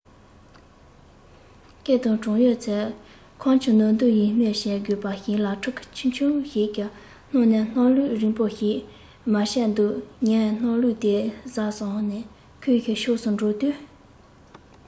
སྐེ དང བྲང ཡོད ཚད ཁམ ཆུས ནོག འདུག ཡིད སྨོན བྱ དགོས པ ཞིག ལ ཕྲུ གུ ཆུང ཆུང ཞིག གི སྣ ནས སྣ ལུད རིང པོ ཞིག མར དཔྱངས འདུག ངས སྣ ལུད དེ བཟའ བསམས ནས ཁོའི ཕྱོགས སུ འགྲོ དུས